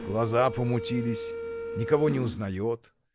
Глаза помутились, никого не узнаёт.